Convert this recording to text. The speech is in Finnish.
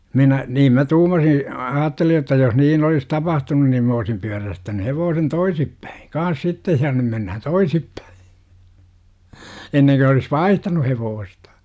minä niin minä tuumasin ajattelin jotta jos niin olisi tapahtunut niin minä olisin pyörästänyt hevosen toisin päin kanssa sitten ja nyt mennään toisinpäin ennen kuin olisi vaihtanut hevosta